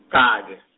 cha-ke.